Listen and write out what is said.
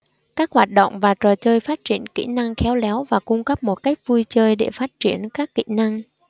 các hoạt động và trò chơi phát triển kỹ năng khéo léo và cung cấp một cách vui chơi để phát triển các kỹ năng